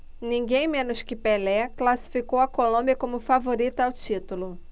ninguém menos que pelé classificou a colômbia como favorita ao título